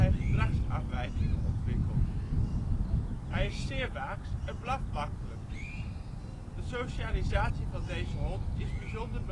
gedragsafwijkingen ontwikkeld. Hij is zeer waaks en hij blaft makkelijk. De socialisatie van deze hond is bijzonder belangrijk